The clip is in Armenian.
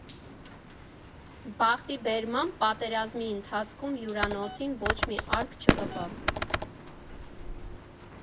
Բախտի բերմամբ պատերազմի ընթացքում հյուրանոցին ոչ մի արկ չկպավ։